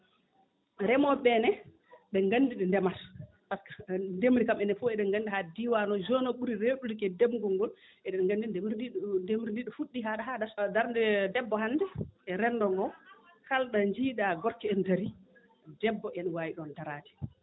remooɓe ɓee ne ɓen nganndi ɗo ndemata par ce que ndemri kam enen fof eɗen nganndi haa diiwaan oo zone oo ɓuri weeɓnude kadi ndemgol ngol eɗen nganndi ndii ndemri ndii ɗo ndemri ndii ɗo fuɗɗi haa ɗo haaɗata darnde debbo hannde e renndo ngoo kala ɗo njiiɗaa gorko ene ndarii debbo ene waawi ɗoon daraade